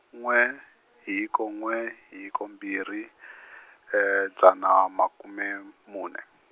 n'we , hiko n'we hiko mbirhi , dzana makume mune.